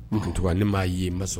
ne m'a ye , ne ma son.